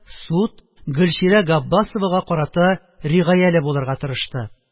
Суд гөлчирә габбасовага карата ригаяле булырга тырышты